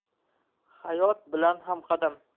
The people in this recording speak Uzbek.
hayot bilan hamqadam